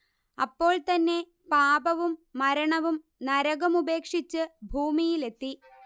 അപ്പോൾ തന്നെ പാപവും മരണവും നരകം ഉപേക്ഷിച്ച് ഭൂമിയിലെത്തി